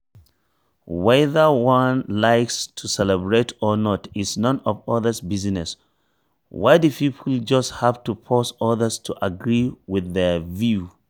Whether one likes to celebrate or not is none of others’ business, why do people just have to force others to agree with their view?